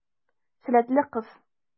Сәләтле кыз.